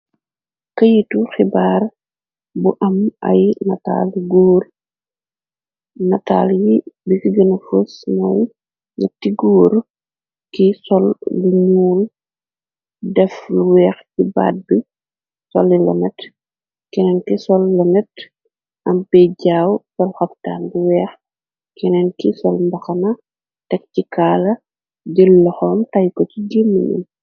këyitu xibaar bu am ay nataal guur nataal yi bifi gëna fos nooy ngetti góur ki sol lu ñuul def lu weex ci baat bi soli la net keneen ki sol la net am bi jaaw bal-xabtaan bi weex keneen ki sol mbaxana teg ci kaala jël laxoom tay ko ci jému num